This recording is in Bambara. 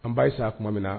An ba san tuma min na